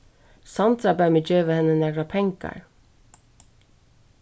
sandra bað meg geva henni nakrar pengar